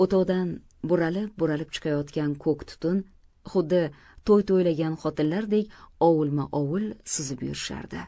o'tovdan buralib buralib chiqayotgan ko'k tutun xuddi to'y to'ylagan xotinlardek ovulma ovul suzib yurishardi